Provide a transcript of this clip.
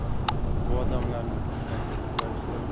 bu odamlarning istagi o'zgarishlar